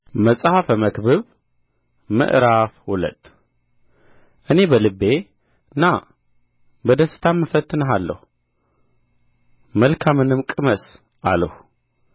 መጽሐፈ መክብብ ምዕራፍ ሁለት እኔ በልቤ ና በደስታም እፈትንሃለሁ መልካምንም ቅመስ አልሁ